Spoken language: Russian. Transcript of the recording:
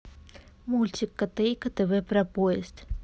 мультик котейка тв про поезд